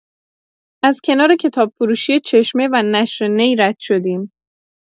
از کنار کتاب‌فروشی چشمه و نشر نی رد شدیم.